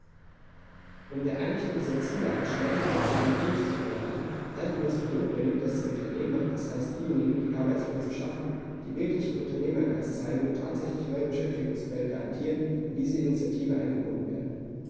Um der Erreichung dieser Ziele einen schnellen und wirksamen Impuls zu verleihen, halten wir es für notwendig, dass die Unternehmer, das heißt diejenigen, die Arbeitsplätze schaffen, die wirklichen Unternehmergeist zeigen und tatsächlich neue Beschäftigungsquellen garantieren, in diese Initiative eingebunden werden.